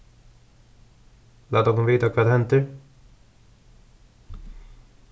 lat okkum vita hvat hendir